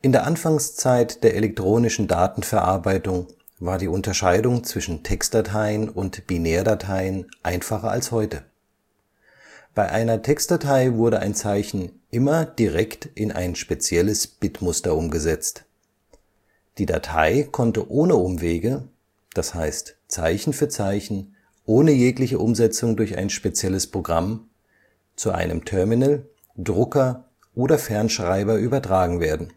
der Anfangszeit der elektronischen Datenverarbeitung war die Unterscheidung zwischen Text - und Binärdateien einfacher als heute. Bei einer Textdatei wurde ein Zeichen immer direkt in ein spezielles Bitmuster umgesetzt. Die Datei konnte ohne Umwege – das heißt Zeichen für Zeichen, ohne jegliche Umsetzung durch ein spezielles Programm – zu einem Terminal, Drucker oder Fernschreiber übertragen werden